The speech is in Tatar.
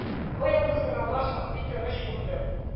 Быелгы сынаулар шактый тыныч узды